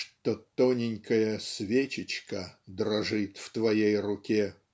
Что тоненькая свечечка дрожит в твоей руке.